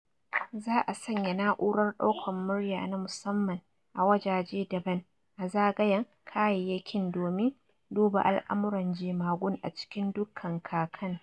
za’a sanya naurar daukar murya na musamman a wajeje daban a zagayen kayayyakin domin duba al’amuran jemagun a cikin dukkan kakan.